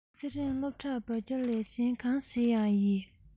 ཚེ རིང སློབ གྲྭར འབ བརྒྱ ལས གཞན གང ཞིག ཡང ཡི